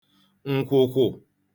ǹkwụ̀kwụ̀